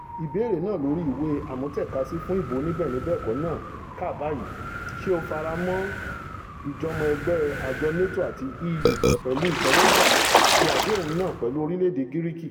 Ìbéèrè náà lóri ìwé àmútẹ̀kasí fún ìbò oníbẹ́ẹ̀ni-bẹ́ẹ̀kọ́ náà kà báyìí: ''Ṣé o faramọ́ ìjọ́mọ-ẹgbẹ́ àjọ NATO àti EU pẹ̀lú ìtẹ́wọ́gbà ti àdéhùn náà pẹ̀lú orílẹ̀-èdè Gíríkì.''.